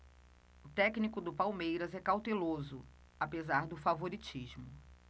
o técnico do palmeiras é cauteloso apesar do favoritismo